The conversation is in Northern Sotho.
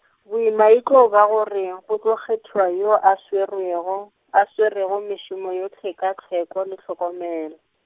boima e tlo ba gore, go tlo kgethiwa yoo a swerego, a swerego mešomo yohle ka tlhweko le tlhokomelo.